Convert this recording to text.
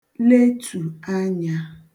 letù anyā